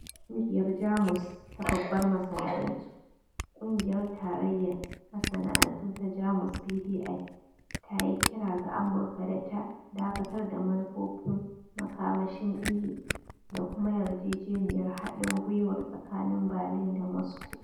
Ƙungiyar Jamus ta babbar masana'antu, kungiyar tarayyar masana'antu ta Jamus (BDI) ta yi kira ga Amurka da ta dakatar da manufofin makamashin EU da kuma yarjejeniyar hadin gwiwar tsakanin Berlin da Moscow.